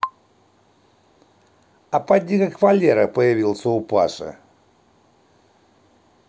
а пойди как валера появился у паши